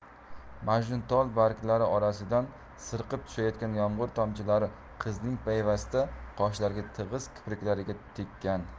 majnuntol barglari orasidan sirqib tushayotgan yomg'ir tomchilari qizning payvasta qoshlariga tig'iz kipriklariga tekkan